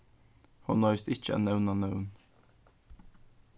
hon noyðist ikki at nevna nøvn